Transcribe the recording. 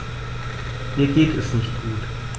Mir geht es nicht gut.